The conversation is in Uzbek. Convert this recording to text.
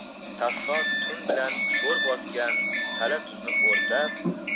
taffot tun bilan sho'r bosgan tala tuzni o'rtab